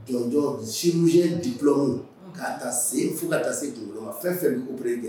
Jɔnjɔn chirurgie diplôme ka taa sen fo ka taa se kunkolo . A fɛn fɛn